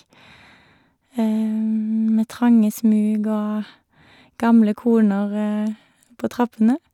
Med trange smug og gamle koner på trappene.